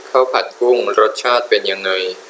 ข้าวผัดกุ้งรสชาติเป็นยังไง